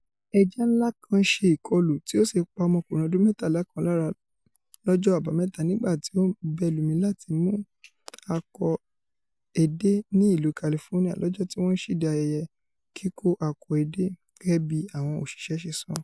Ẹja ńlá kan ṣe ìkọlu tí ó sì pa ọmọkùnrin ọdún mẹtala kan lára lọ́jọ́ Àbámẹ́ta nígbà tí ó n ́bẹ́lumi láti mú ako edé ní ìlú Kalifónía lọjọ tí wọ́n ńsíde ayẹyẹ kiko ako edé, gẹgẹ bíi àwọn òṣìṣẹ́ se sọ.